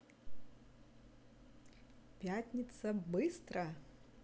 пятница быстро